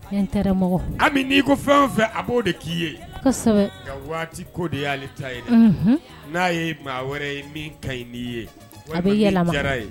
N' ko fɛn fɛ a b'o de k'i ye nka waati ko de y'ale ta n'a ye maa wɛrɛ ye min ka n' ye a bɛ ye